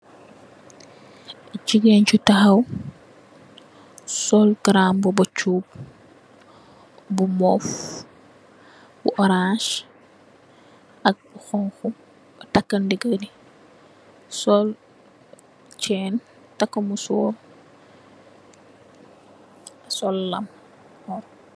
Jigeen ju taxaw sol garambubu cuub bu muuf , bu orans, ak bu xonxu takka ndigili, sol cèèn tàkka mesor, sol lam.